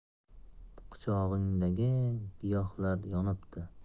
quchog'ingdagi giyohlar yonibdi